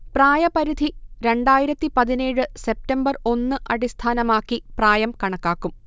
പ്രായപരിധി രണ്ടായിരത്തി പതിനേഴ് സെപ്റ്റംബർ ഒന്ന് അടിസ്ഥാനമാക്കി പ്രായം കണക്കാക്കും